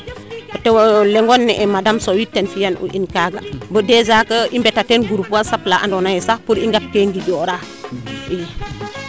o tewo leŋe madame Sow tam ten fiyan u in kaaga bo dejas que i mbeta teen groupe watshap laa ando naye sax pour ngep ke ngijoora i